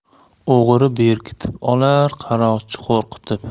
o'g'ri berkitib olar qaroqchi qo'rqitib